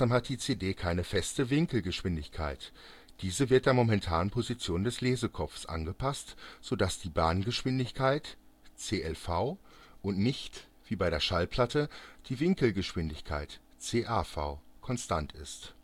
hat die CD keine feste Winkelgeschwindigkeit; diese wird der momentanen Position des Lesekopfs angepasst, so dass die Bahngeschwindigkeit (CLV) und nicht, wie bei der Schallplatte, die Winkelgeschwindigkeit (CAV) konstant ist